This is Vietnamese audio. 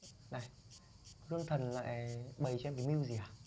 này gương thần lại bày cho em cái mưu gì à